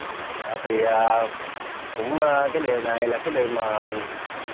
dạ thì à cũng a cái điều này là cái điều mà